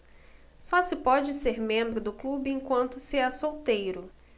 só se pode ser membro do clube enquanto se é solteiro